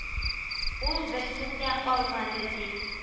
Ул берсен дә алмады, ди